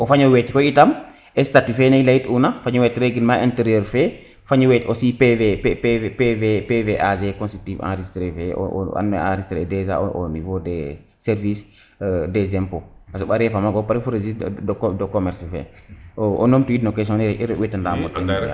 o fanio weec koy itam statut fene ne i leyit una o faño weec reglement interieur fe faño feec aussi PV PV AZ ando naye enristrer déja au nivau des service des impots a soɓa refa maga bo pare fo registre de commerce fe o num tu wiid no question nene wetanamo ten